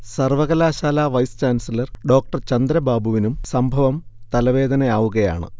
സർവ്വകലാശാല vice chancellor ഡോ. ചന്ദ്രബാബുവിനും സംഭവം തലവേദനയാവുകയാണ്